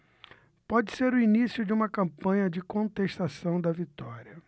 pode ser o início de uma campanha de contestação da vitória